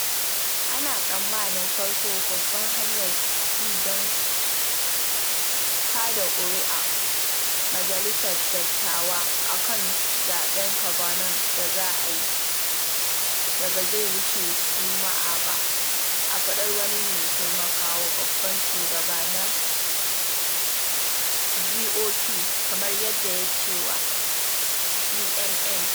Ana tsammanin farkon babban hanyar bi don kaɗa ƙuri’a a Majalisar Dattawa a kan zaɓen Kavanaugh da za a yi da ba zai wuce Juma’a ba, a faɗar wani mai taimaka wa babban shugaba na GOP kamar yadda ya ce wa CNN.